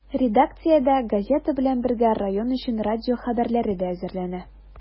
Редакциядә, газета белән бергә, район өчен радио хәбәрләре дә әзерләнә.